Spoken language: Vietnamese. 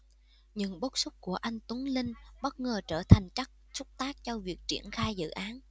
những bức xúc của anh tuấn linh bất ngờ trở thành chất xúc tác cho việc triển khai dự án